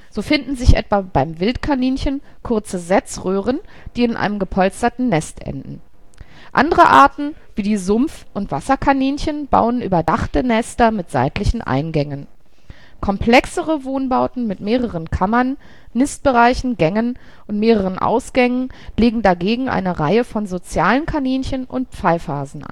So finden sich etwa beim Wildkaninchen kurze Setzröhren, die in einem gepolsterten Nest enden. Andere Arten wie die Sumpf - und Wasserkaninchen bauen überdachte Nester mit seitlichen Eingängen. Komplexere Wohnbauten mit mehreren Kammern, Nistbereichen, Gängen und mehreren Ausgängen legen dagegen eine Reihe von sozialen Kaninchen und Pfeifhasen